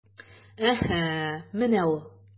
Әһә, менә ул...